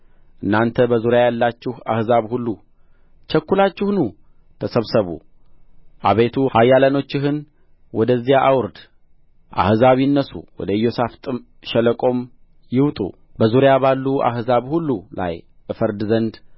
እናንተ በዙሪያ ያላችሁ አሕዛብ ሁሉ ቸኩላችሁ ኑ ተሰብሰቡ አቤቱ ኃያላኖችህን ወደዚያ አውርድ አሕዛብ ይነሡ ወደ ኢዮሣፍጥ ሸለቆም ይውጡ